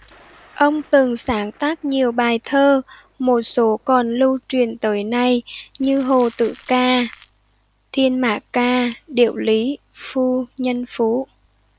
ông từng sáng tác nhiều bài thơ một số còn lưu truyền tới nay như hồ tử ca thiên mã ca điệu lý phu nhân phú